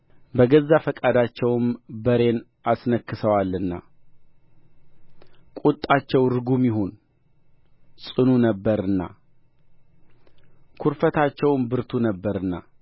በገዛ ፈቃዳቸውም በሬን አስነክሰዋልና ቍጣቸው ርጉም ይሁን ጽኑ ነበርና ኵርፍታቸውም ብርቱ ነበርና